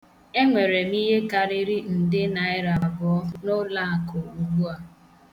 E nwere m ihe karịrị nde naịra abụọ n'ụlọakụ ugbua.